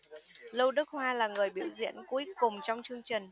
lưu đức hoa là người biểu diễn cuối cùng trong chương trình